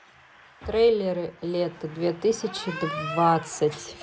трейлеры лето две тысячи двадцать